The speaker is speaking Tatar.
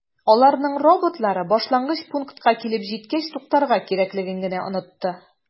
Аларның роботлары башлангыч пунктка килеп җиткәч туктарга кирәклеген генә “онытты”.